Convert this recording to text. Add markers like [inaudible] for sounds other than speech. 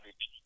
[hesitation] [hesitation]